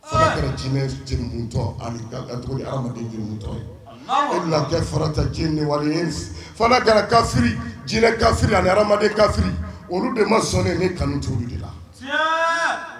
Kɛra ota wari kɛra kafi kafi ani ha kafi olu de ma sɔn ne kanu tu la